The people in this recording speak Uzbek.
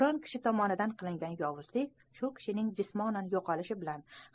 biron kishi tomonidan qilingan yovuzlik shu kishining jismonan yo'qolishi bilan